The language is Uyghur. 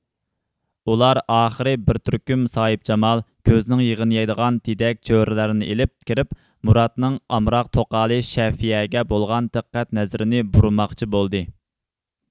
ئۇلار ئاخىرى بىر تۈركۈم ساھىبجامال كۆزنىڭ يېغىنى يەيدىغان دېدەك چۆرىلەرنى ئېلىپ كىرىپ مۇرادنىڭ ئامراق توقالى شەفىيەگە بولغان دىققەت نەزىرىنى بۇرىماقچى بولدى